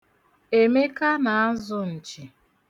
Emeka na-azụ nchi.